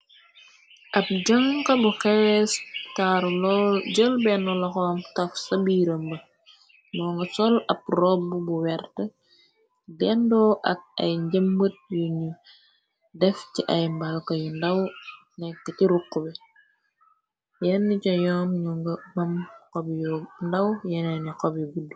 ab jënka bu xees taaru jël bennu laxoom taf sa biirëmb moo nga sol ab robb bu wert dendoo ak ay njëmbët yu nu def ci ay mbalko yu ndaw nekk ci rukk be yern co yoom ñu nga mam xob y ndaw yeneeni xobyi gudd